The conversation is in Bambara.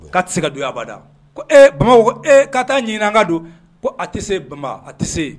Ka tɛ se ka don abada bamakɔ ko ee ka taa ɲinin an ka don ko a tɛ se ban a tɛ se